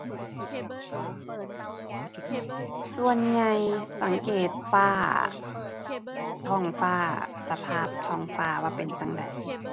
ส่วนใหญ่สังเกตฟ้า ท้องฟ้า สภาพท้องฟ้าว่าเป็นจั่งใด